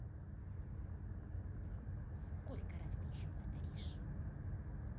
сколько раз ты еще повторишь